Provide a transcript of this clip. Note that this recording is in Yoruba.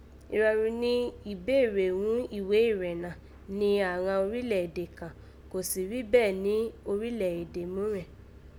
Ìrọ̀rùn ni ìbéèrè ghún ìwé ìrẹ̀nà ni àghan orílẹ̀ èdè kàn, kò sì rí bẹ́ẹ̀ ni orílẹ̀ èdè múrẹ̀n